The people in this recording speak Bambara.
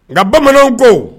Nka bamananw ko